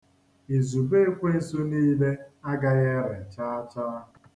Izube Ekwensu niile agagḥị ere chaa chaa.